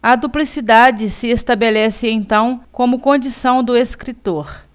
a duplicidade se estabelece então como condição do escritor